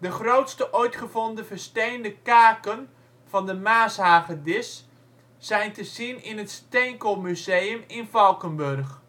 grootste ooit gevonden versteende kaken van de maashagedis zijn te zien in het steenkoolmuseum in Valkenburg